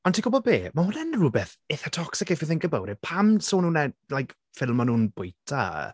Ond ti'n gwybod be? Ma' hwnna'n rywbeth eitha toxic if you think about it. Pam so nhw'n ed- like ffilmio nhw'n bwyta?